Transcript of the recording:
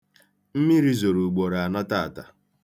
Mmiri zoro ugboro anọ taata.